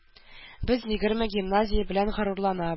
Без егерме гимназия белән горурланабыз